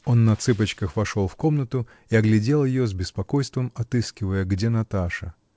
Он на цыпочках вошел в комнату и оглядел ее, с беспокойством отыскивая, где Наташа.